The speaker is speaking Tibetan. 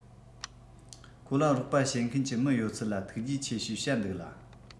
ཁོ ལ རོགས པ བྱེད མཁན གྱི མི ཡོད ཚད ལ ཐུགས རྗེ ཆེ ཞེས བཤད འདུག ལ